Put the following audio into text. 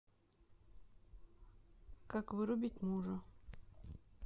как вырубить мужа